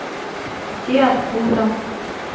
где откуда